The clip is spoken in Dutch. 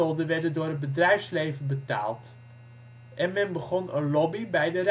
werden door het bedrijfsleven betaald (de partij was vrijwel failliet door de bijna onafgebroken verkiezingscampagnes), en men begon een lobby bij de rijkspresident